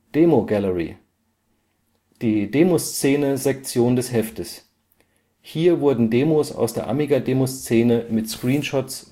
Demo Gallery: Die Demoszene-Sektion des Heftes. Hier wurden Demos aus der Amiga-Demoszene mit Screenshots